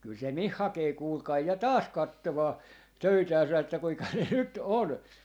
kyllä se minun hakee kuulkaa ja taas katsomaan töitänsä että kuinka ne nyt on